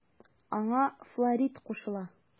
Аңа Флорид кушыла.